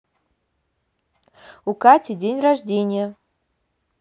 у кати день рождения